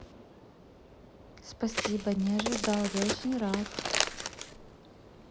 спасибо не ожидал я очень рад